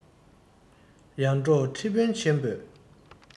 ཡར འབྲོག ཁྲི དཔོན ཆེན པོས